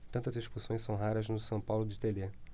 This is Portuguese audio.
tantas expulsões são raras no são paulo de telê